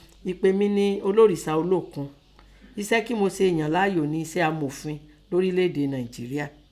Ẹpè mi nẹ Ọlọ́rìṣà olókun, eṣẹ́ kín mọ sèè yàn láàyò nẹ eṣẹ́ Amòfin lọ́ríléèdè Nàìnjéríà.